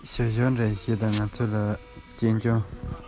ང རང མུ མཐུད ནས འོ མ